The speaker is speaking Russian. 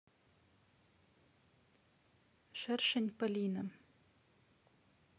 шершень полина